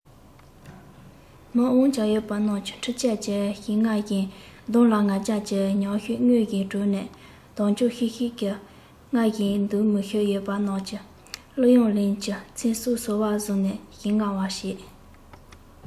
མི དབང ཆ ཡོད པ རྣམས ཀྱིས འཕྲུལ ཆས ཀྱིས ཞིང རྔ བཞིན གདོང ལ ང རྒྱལ གྱི ཉམས ཤིག མངོན བཞིན གྲོ ནས དག མགྱོགས ཤིག ཤིག གིས རྔ བཞིན འདུག མི ཤུགས ཡོད པ རྣམས ཀྱིས གླུ དབྱངས ལེན གྱིན ཚེས གསུམ ཟོར བ བཟུང ནས ཞིང རྔ བར བྱེད